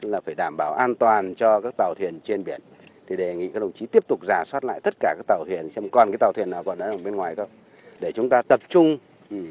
là phải đảm bảo an toàn cho các tàu thuyền trên biển thì đề nghị các đồng chí tiếp tục rà soát lại tất cả các tàu thuyền xem còn cái tàu thuyền còn đang ở bên ngoài không để chúng ta tập trung